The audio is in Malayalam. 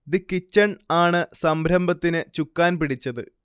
'ദി കിച്ചൺ' ആണ് സംരംഭത്തിന് ചുക്കാൻ പിടിച്ചത്